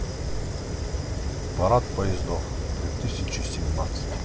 парад поездов две тысячи семнадцать